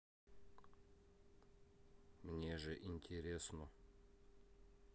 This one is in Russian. мне же интересно